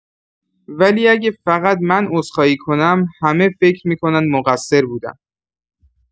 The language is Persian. ولی اگه فقط من عذرخواهی کنم، همه فکر می‌کنن مقصر بودم.